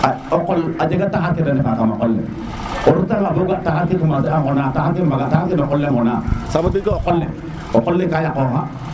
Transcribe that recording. o qol a jega taxar ka na ndefa kama qole o reta nga bo ga taxar ke commencer a ŋona taxar ke mbaga taxar ke no qol le ŋona ça veut dire que o qole ka yaqoxa